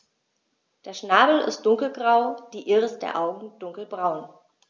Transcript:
Der Schnabel ist dunkelgrau, die Iris der Augen dunkelbraun.